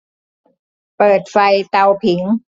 เปิดไฟเตาผิง